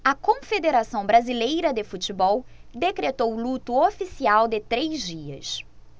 a confederação brasileira de futebol decretou luto oficial de três dias